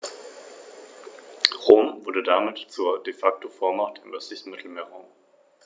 Karthago verlor alle außerafrikanischen Besitzungen und seine Flotte.